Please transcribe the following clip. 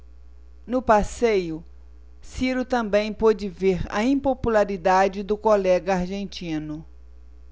no passeio ciro também pôde ver a impopularidade do colega argentino